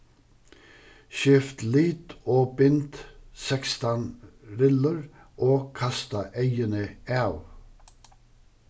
skift lit og bint sekstan rillur og kasta eyguni av